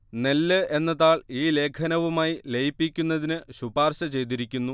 നെല്ല് എന്ന താൾ ഈ ലേഖനവുമായി ലയിപ്പിക്കുന്നതിന് ശുപാർശ ചെയ്തിരിക്കുന്നു